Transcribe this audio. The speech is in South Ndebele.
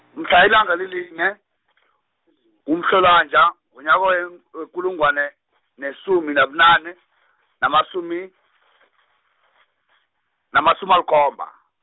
mhla ilanga li line, kuMhlolanja, ngonyaka we- wekulungwane, nesumi nabunane, namasumi, namasumi alikhomba.